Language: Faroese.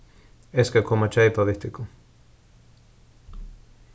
eg skal koma at keypa við tykkum